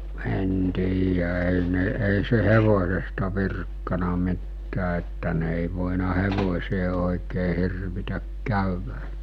en tiedä ei ne ei se hevosesta virkkanut mitään että ne ei voinut hevoseen oikein hirvitä käydä